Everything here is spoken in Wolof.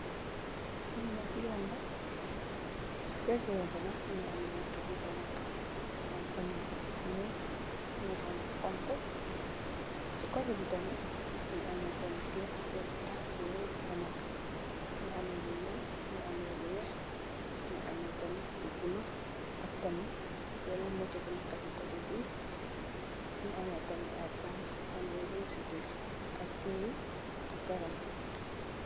Lee nak yoon la se pege yoon be nak muge ameh motor bufa neka mu am tamin nuul muge am xonxo se koteh be tamin muge ameh tamin kerr kerr tahh bu ray bufa neka muge ameh lu nuul muge ameh lu weex muge ameh tamin lu bulo ak tamin benen motor bu neka se koteh be muge ameh tamin aye pan pan bu ray se dega ak kerre ak garab ye.